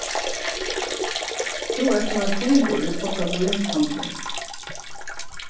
tú ert sum ein fílur í postalínshandli